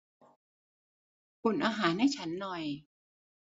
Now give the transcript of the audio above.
อุ่นอาหารให้ฉันหน่อย